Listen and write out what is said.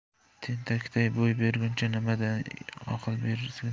terakday bo'y berguncha ninaday aql bersin